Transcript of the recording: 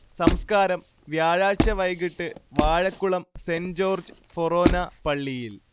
സംസ്കാരം വ്യാഴാഴ്ച വൈകീട്ട് വാഴക്കുളം സെന്റ് ജോർജ് ഫൊറോന പള്ളിയിൽ